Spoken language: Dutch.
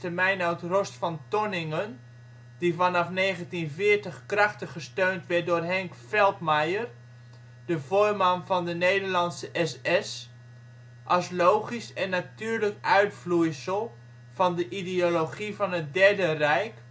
Meinoud Rost van Tonningen die vanaf 1940 krachtig gesteund werd door Henk Feldmeijer, de Voorman van de Nederlandsche SS), als logisch en natuurlijk uitvloeisel van de ideologie van het Derde Rijk